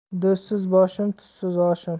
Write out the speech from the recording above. do'stsiz boshim tuzsiz oshim